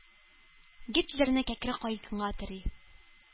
Гитлерны кәкре каенга тери.